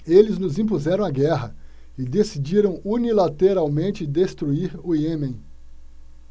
eles nos impuseram a guerra e decidiram unilateralmente destruir o iêmen